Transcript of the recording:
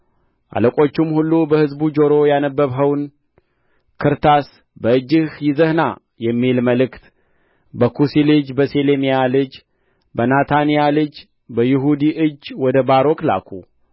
አለቆቹም ሁሉ በሕዝቡ ጆሮ ያነበብኸውን ክርታስ በእጅህ ይዘህ ና የሚል መልእክት በኵሲ ልጅ በሰሌምያ ልጅ በናታንያ ልጅ በይሁዲ እጅ ወደ ባሮክ ላኩ